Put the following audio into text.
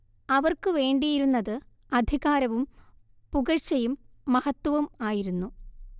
അവർക്കുവേണ്ടിയിരുന്നത് അധികാരവും പുകഴ്ച്ചയും മഹത്ത്വവും ആയിരുന്നു